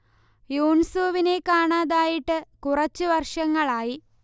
യൂൻസൂവിനെ കാണാതായിട്ട് കുറച്ചു വർഷങ്ങളായി